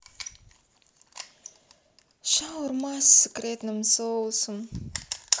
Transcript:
шаурма с секретным соусом